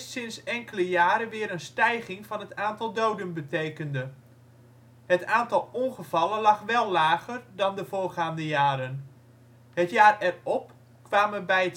sinds enkele jaren weer een stijging van het aantal doden betekende. Het aantal ongevallen lag wel lager dan de voorgaande jaren. Het jaar erop kwamen bij